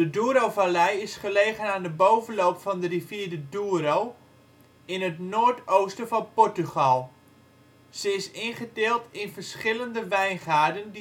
Dourovallei is gelegen aan de bovenloop van de rivier de Douro in het noordoosten van Portugal. Ze is ingedeeld in verschillende wijngaarden